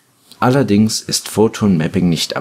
Allerdings ist Photon Mapping nicht